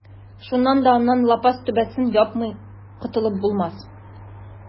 Шулай да аннан лапас түбәсен япмый котылып булмас.